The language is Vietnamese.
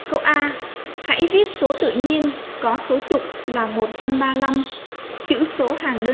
hãy viết số tự nhiên có số chục là chữ số hàng